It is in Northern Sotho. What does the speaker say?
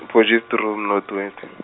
Potchefstroom, North West.